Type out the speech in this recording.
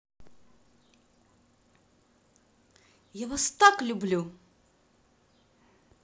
я вас так люблю